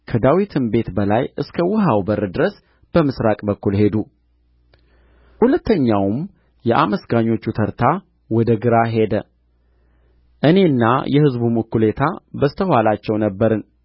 ከዳዊትም ቤት በላይ እስከ ውኃው በር ድረስ በምሥራቅ በኩል ሄዱ ሁለተኛውም የአመስጋኞቹ ተርታ ወደ ግራ ሄደ እኔና የሕዝቡም እኵሌታ በስተኋላቸው ነበርን